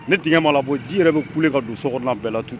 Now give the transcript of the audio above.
Ne tigɛ' la bɔ ji yɛrɛ bɛ kule ka don so kɔnɔ bɛɛ la tu ten